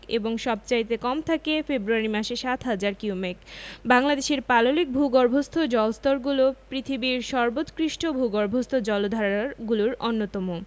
এবং সবচাইতে কম থাকে ফেব্রুয়ারি মাসে ৭হাজার কিউমেক বাংলাদেশের পাললিক ভূগর্ভস্থ জলস্তরগুলো পৃথিবীর সর্বোৎকৃষ্টভূগর্ভস্থ জলাধারগুলোর অন্যতম